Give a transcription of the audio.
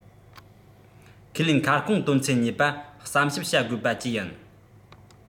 ཁས ལེན ཁ སྐོང དོན ཚན གཉིས པ བསམ ཞིབ བྱ དགོས པ བཅས ཡིན